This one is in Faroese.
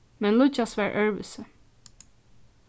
men líggjas var øðrvísi